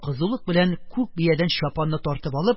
Кызулык белән күк биядән чапанны тартып алып,